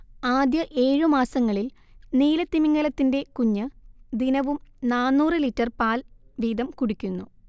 ആദ്യ ഏഴു മാസങ്ങളിൽ നീലത്തിമിംഗിലത്തിന്റെ കുഞ്ഞ് ദിനവും നാന്നൂറ് ലിറ്റര്‍ പാൽ വീതം കുടിക്കുന്നു